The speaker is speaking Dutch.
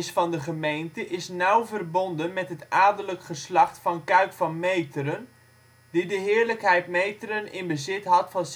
van de gemeente is nauw verbonden met het adellijke geslacht Van Cuyck van Meteren die de Heerlijkheid Meteren in bezit had van